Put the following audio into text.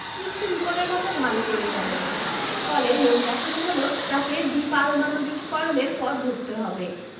Kim সে বিপদের কথা ভালো করেই জানেন ফলে লোকদেখানো হলেও তাঁকে বিপারমাণবিকীকরণের পথ ধরতে হবে